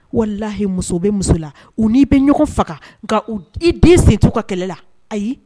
Walahi muso bɛ muso la u n'i bɛ ɲɔgɔn faga nka i den sen t' ka kɛlɛ la ayi